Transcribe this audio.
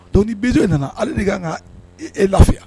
Don ni bin in nana ale de ka ka e lafiya